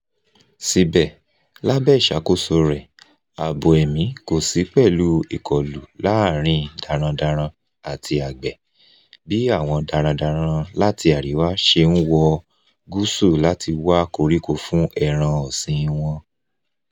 Síbẹ̀, lábẹ́ ìṣàkóso rẹ̀, ààbò ẹ̀mí kò sí pẹ̀lú ìkọlù láàárín darandaran àti àgbẹ̀ bí àwọn darandaran láti àríwá ṣe ń wọ gúúsù láti wá koríko fún ẹran ọ̀sìn-in wọn.